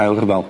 Ail rhyfal.